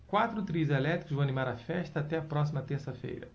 quatro trios elétricos vão animar a festa até a próxima terça-feira